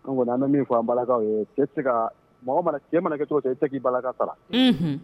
An kɔni an bɛ min fɔ an balakaw yee, cɛ tɛ se kaa mɔgɔ mana, cɛ mana kɛ cogo o cogo i tɛ se k'i balaka sara. Unhun.